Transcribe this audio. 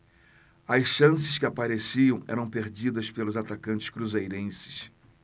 as chances que apareciam eram perdidas pelos atacantes cruzeirenses